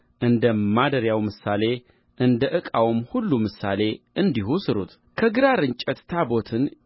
እንደ ማደሪያው ምሳሌ እንደ ዕቃውም ሁሉ ምሳሌ እንዲሁ ሥሩት ከግራር እንጨትም ታቦትን